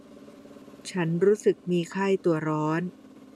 ฉันรู้สึกมีไข้ตัวร้อน